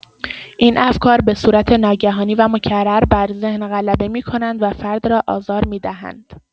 این افکار به صورت ناگهانی و مکرر بر ذهن غلبه می‌کنند و فرد را آزار می‌دهند.